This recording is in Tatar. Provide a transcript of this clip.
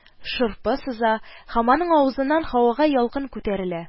Шырпы сыза, һәм аның авызыннан һавага ялкын күтәрелә